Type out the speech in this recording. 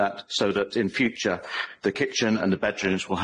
that so that in future the kitchen and the bedrooms will